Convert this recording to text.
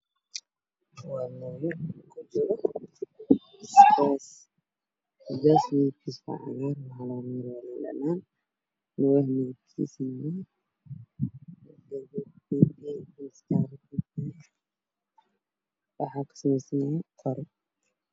Waxa ii Muuqda mooye ay ku jiraan basbaas cagaaran